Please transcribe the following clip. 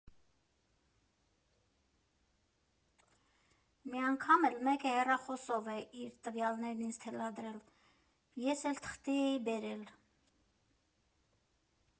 Մի անգամ էլ մեկը հեռախոսով է իր տվյալներն ինձ թելադրել, ես էլ թղթի էի բերել։